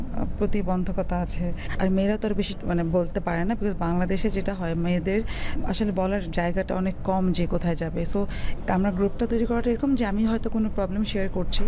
প্রতিবন্ধকতা আছে আর মেয়েরা তো বেশি বলতে পারে না বিকজ বাংলাদেশ যেটা হয় মেয়েদের আসলে বলার জায়গা টা অনেক কম যে কোথায় যাবে স আমরা গ্রুপটা তৈরী করাটা এরকম যে আমি হয়ত শেয়ার করছি